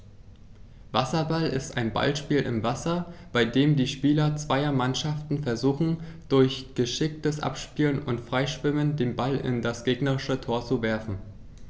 Wasserball ist ein Ballspiel im Wasser, bei dem die Spieler zweier Mannschaften versuchen, durch geschicktes Abspielen und Freischwimmen den Ball in das gegnerische Tor zu werfen.